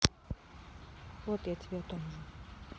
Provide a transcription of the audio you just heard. вот я тебе о том же